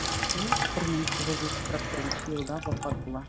Ул 1941 елда вафат була.